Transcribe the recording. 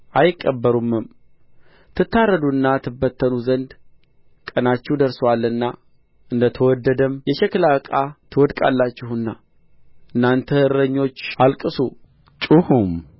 አይቀበሩምም ትታረዱና ትበተኑ ዘንድ ቀናችሁ ደርሶአልና እንደ ተወደደም የሸክላ ዕቃ ትወድቃላችሁና እናንተ እረኞች አልቅሱ ጩኹም